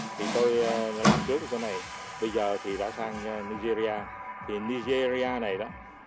thì tôi a đã làm trước cái chỗ này bây giờ thì đã sang ni giê ri a thì ni giê ri a này đó